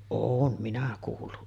olen minä kuullut